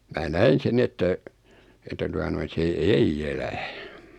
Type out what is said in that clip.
minä näin sen niin että että tuota noin se ei elä